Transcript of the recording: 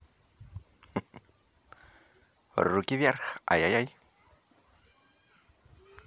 руки вверх ай яй яй